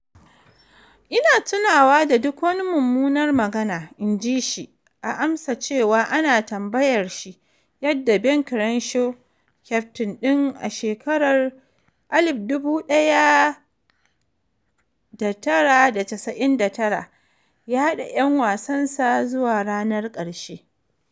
"Ina tunawa da duk wani mummunar magana," in ji shi a amsa cewa ana tambayar shi yadda Ben Crenshaw, kyaftin din a shekarar 1999, ya haɗa 'yan wasansa zuwa ranar ƙarshe.